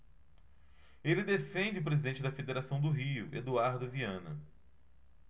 ele defende o presidente da federação do rio eduardo viana